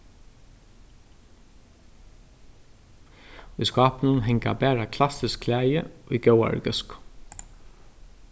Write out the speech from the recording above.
í skápinum hanga bara klassisk klæði í góðari góðsku